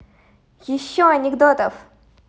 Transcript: еще анекдотов